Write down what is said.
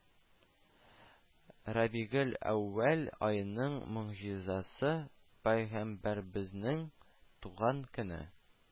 Рабигель-әүвәл аеның могҗизасы –Пәйгамбәребезнең (сгв) туган көне